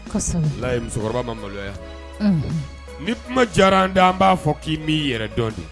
Yi musokɔrɔba ma maloya ni kuma diyara an da an b'a fɔ k'i mini yɛrɛ dɔn de